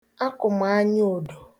akụm̀anyaòdo